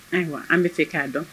Ayiwa an bɛ se k'a dɔn